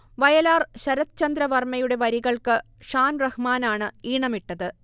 വയലാർ ശരത്ചന്ദ്ര വർമയുടെ വരികൾക്ക് ഷാൻ റഹ്മാനാണ് ഈണമിട്ടത്